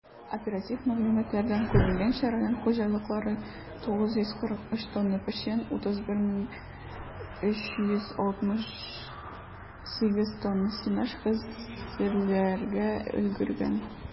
Оператив мәгълүматлардан күренгәнчә, район хуҗалыклары 943 тонна печән, 31368 тонна сенаж хәзерләргә өлгергән.